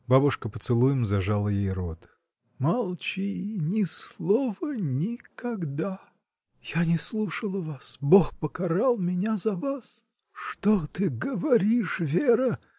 Бабушка поцелуем зажала ей рот. — Молчи, ни слова — никогда! — Я не слушала вас. Бог покарал меня за вас. — Что ты говоришь, Вера?